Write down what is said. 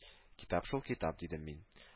Китап шул, китап,— дидем мин